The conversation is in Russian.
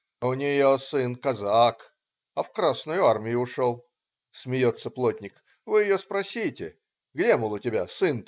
"У нее сын-каэак, а в красную армию ушел,- смеется плотник,- вы ее спросите, где, мол, у тебя сын-то?